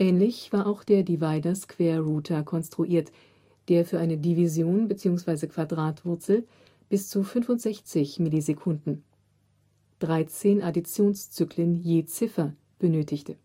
Ähnlich war auch der Divider/Square-Rooter konstruiert, der für eine Division bzw. Quadratwurzel bis zu 65 Millisekunden (13 Additionszyklen je Ziffer) benötigte